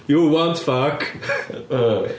You want fuck